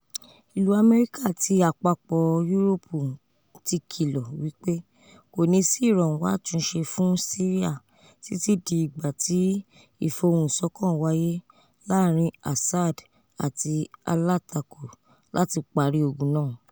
Ilu Amẹrika ati Apapọ Uropu ti kilo wi pe koni si iranwọ atunṣe fun Siria titi di igba ti ifohunṣọkan waye laarin Assad ati alatako lati pari ogun naa.